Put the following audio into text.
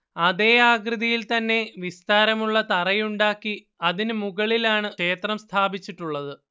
അതേ ആകൃതിയിൽ തന്നെ വിസ്താരമുള്ള തറയുണ്ടക്കി അതിനു മുകളിലാണ് ക്ഷേത്രം സ്ഥാപിച്ചിട്ടുള്ളത്